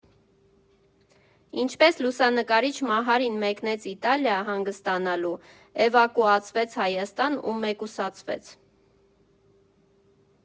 Ինչպես լուսանկարիչ Մահարին մեկնեց Իտալիա հանգստանալու, էվակուացվեց Հայաստան ու մեկուսացվեց։